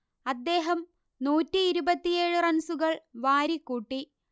അദ്ദേഹം നൂറ്റിയിരുപത്തിയേഴ് റൺസുകൾ വാരിക്കൂട്ടി